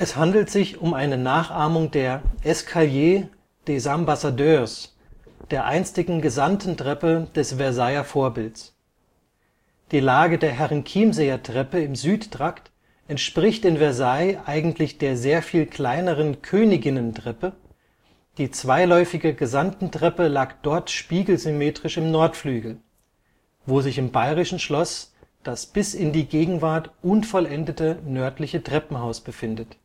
handelt sich um eine Nachahmung der Escalier des Ambassadeurs, der einstigen Gesandtentreppe des Versailler Vorbilds. Die Lage der Herrenchiemseer Treppe im Südtrakt entspricht in Versailles eigentlich der sehr viel kleineren Königinnentreppe, die zweiläufige Gesandtentreppe lag dort spiegelsymmetrisch im Nordflügel, wo sich im bayerischen Schloss das bis in die Gegenwart unvollendete nördliche Treppenhaus befindet